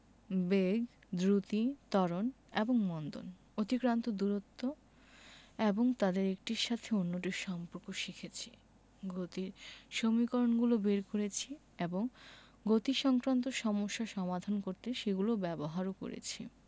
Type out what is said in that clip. বেগ দ্রুতি ত্বরণ এবং মন্দন অতিক্রান্ত দূরত্ব এবং তাদের একটির সাথে অন্যটির সম্পর্ক শিখেছি গতির সমীকরণগুলো বের করেছি এবং গতিসংক্রান্ত সমস্যা সমাধান করতে সেগুলো ব্যবহারও করেছি